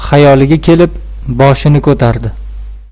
kelib boshini ko'tardi